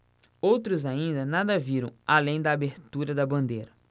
outros ainda nada viram além da abertura da bandeira